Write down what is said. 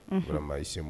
Fanama ye se